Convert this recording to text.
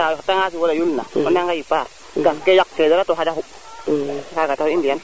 nda o xota nga siwo le yulna ona nga yipa dang ke yaqe dara to xana xuɓ kaga taxu i mbiyan